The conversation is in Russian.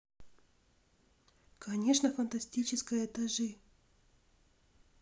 конечно фантастическое этажи